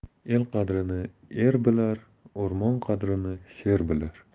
el qadrini er bilar o'rmon qadrini sher bilar